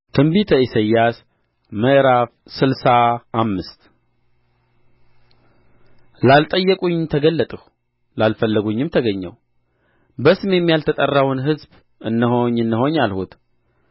ትንቢተ ኢሳይያስ ምዕራፍ ስልሳ አምስት ላልጠየቁኝ ተገለጥሁ ላልፈለጉኝም ተገኘሁ በስሜም ያልተጠራውን ሕዝብ እነሆኝ እነሆኝ አልሁት